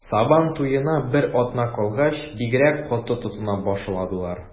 Сабан туена бер атна калгач, бигрәк каты тотына башладылар.